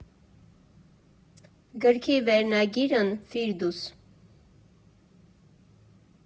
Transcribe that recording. Գրքի վերնագիրն («Ֆիրդուս.